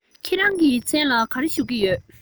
ཁྱེད རང གི མཚན ལ ག རེ ཞུ གི ཡོད